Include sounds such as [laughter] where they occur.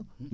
[hesitation]